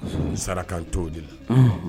Sarakan to de la